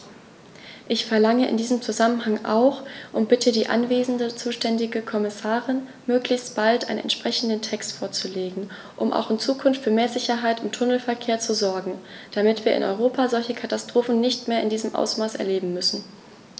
Ich verlange in diesem Zusammenhang auch und bitte die anwesende zuständige Kommissarin, möglichst bald einen entsprechenden Text vorzulegen, um auch in Zukunft für mehr Sicherheit im Tunnelverkehr zu sorgen, damit wir in Europa solche Katastrophen nicht mehr in diesem Ausmaß erleben müssen!